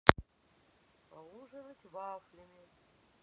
поужинать вафлями